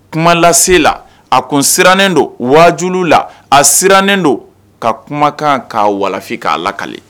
Kuma lasesela a kun sirannen don waju la a sirannen don ka kumakan k'awafin k'a la kale